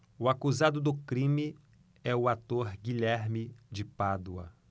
o acusado do crime é o ator guilherme de pádua